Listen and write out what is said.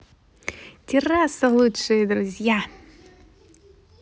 терраса лучшие друзья